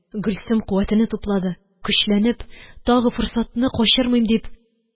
Гөлсем куәтене туплады, көчләнеп, тагы форсатны качырмыйм дип